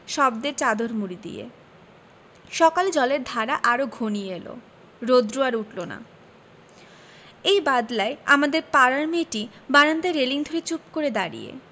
শব্দের চাদর মুড়ি দিয়ে সকালে জলের ধারা আরো ঘনিয়ে এল রোদ্র আর উঠল না এই বাদলায় আমাদের পাড়ার মেয়েটি বারান্দায় রেলিঙ ধরে চুপ করে দাঁড়িয়ে